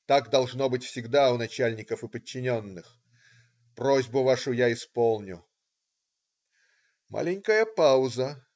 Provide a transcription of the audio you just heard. Так должно быть всегда у начальников и подчиненных. Просьбу вашу я исполню". Маленькая пауза.